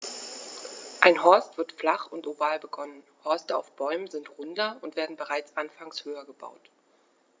Ein Horst wird flach und oval begonnen, Horste auf Bäumen sind runder und werden bereits anfangs höher gebaut.